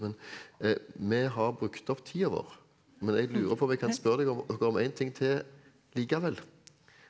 men vi har brukt opp tida vår, men jeg lurer på om jeg kan spørre deg om dere om en ting til likevel.